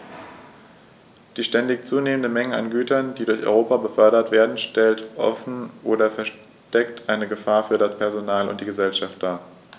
Die ständig zunehmende Menge an Gütern, die durch Europa befördert werden, stellt offen oder versteckt eine Gefahr für das Personal und die Gesellschaft dar.